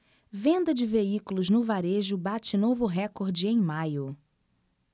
venda de veículos no varejo bate novo recorde em maio